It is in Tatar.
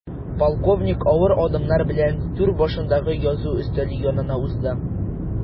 Полковник авыр адымнар белән түр башындагы язу өстәле янына узды.